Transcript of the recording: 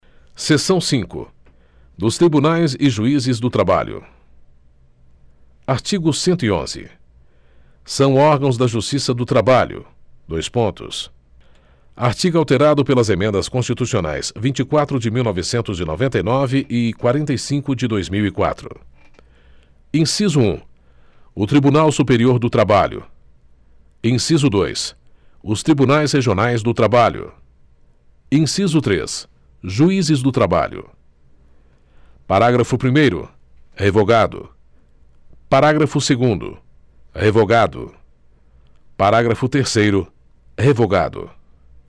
seção cinco dos tribunais e juízes do trabalho artigo cento e onze são órgãos da justiça do trabalho dois pontos artigo alterado pelas emendas constitucionais vinte e quatro de mil novecentos e noventa e nove e quarenta e cinco de dois mil e quatro inciso um o tribunal superior do trabalho inciso dois os tribunais regionais do trabalho inciso três juizes do trabalho parágrafo primeiro revogado parágrafo segundo revogado parágrafo terceiro revogado